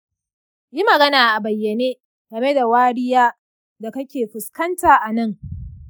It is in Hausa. yi magana a bayyane game da wariya da kake fuskanta a nan.